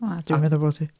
A dwi'n meddwl bod hi.